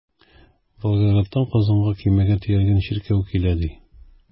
Волгоградтан Казанга көймәгә төялгән чиркәү килә, ди.